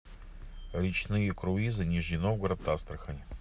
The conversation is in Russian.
речные круизы нижний новгород астрахань